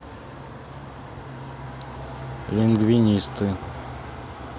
лингвинисты